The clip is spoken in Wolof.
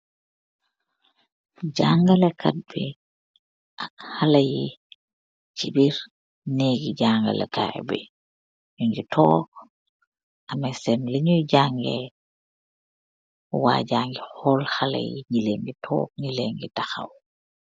Jangale kat bi, ak haleh yi, chi birr negi jangaleh kai bi. Nyungi tog, ameh sen lunyui jangeh. Wajangeh khool haleh yi nyelengi tog nyelengi takhaw.